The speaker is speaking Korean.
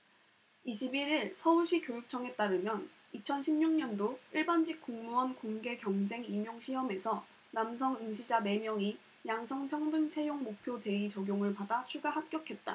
이십 일 일 서울시교육청에 따르면 이천 십 육 년도 일반직공무원 공개경쟁임용시험에서 남성 응시자 네 명이 양성평등채용목표제의 적용을 받아 추가 합격했다